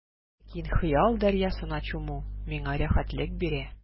Ләкин хыял дәрьясына чуму миңа рәхәтлек бирә.